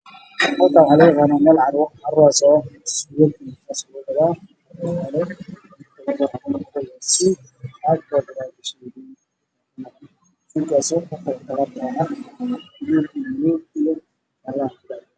Halkaan waa carwo suud ayaa yaalo